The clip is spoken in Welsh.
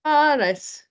O, reit.